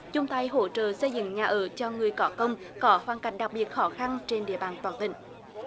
chung tay hỗ trợ xây dựng nhà ở cho người có công có hoàn cảnh đặc biệt khó khăn trên địa bàn toàn tỉnh